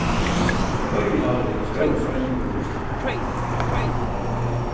á hvørjum ári er stórur spenningur um úrslitið